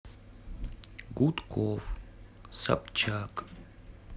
гудков собчак